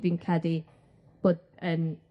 Dwi'n credu bod yn